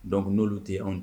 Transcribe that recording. Donc nolu te yen anw